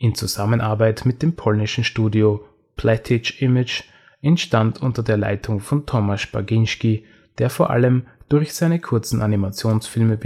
Zusammenarbeit mit dem polnischen Studio Platige Image entstand unter der Leitung von Tomasz Bagiński, der vor allem durch seine kurzen Animationsfilme